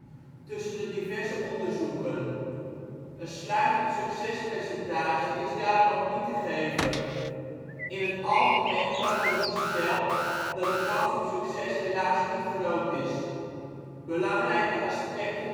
tussen de diverse onderzoeken. Een sluitend ' succes ' percentage is daarom ook niet te geven. In het algemeen kan worden gesteld, dat de kans op succes helaas niet groot is. Belangrijke aspecten